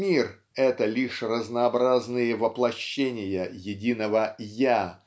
Мир -- это лишь разнообразные воплощения единого я